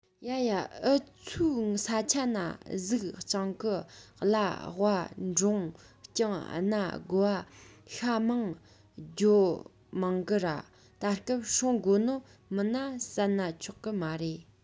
ཡ ཡ ངུ ཚོའི ས ཆ ན གཟིག སྦྱང ཀི གླ ཝ འབྲོང རྐྱང གནའ དགོ བ ཤྭ མང རྒྱུའོ མང གི ར ད སྐབས སྲུང དགོ ནོ མིན ན བསད ན ཆོག ནི མ རེད